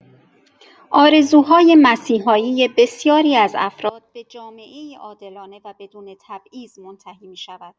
آرزوهای مسیحایی بسیاری از افراد، به جامعه‌ای عادلانه و بدون تبعیض منتهی می‌شود.